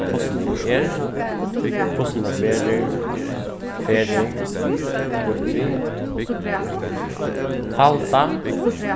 hvussu nógv er hvussu nógv verður ferðir býtt við falda